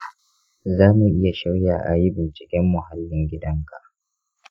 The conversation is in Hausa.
za mu iya shirya a yi binciken muhallin gidanka.